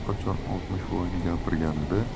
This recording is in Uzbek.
qachon oltmishvoyni gapirganida